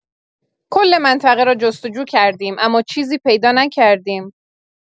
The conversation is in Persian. کل منطقه را جست‌جو کردیم اما چیزی پیدا نکردیم